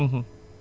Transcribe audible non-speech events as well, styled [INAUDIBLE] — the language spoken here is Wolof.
[HESITATION] [HESITATION]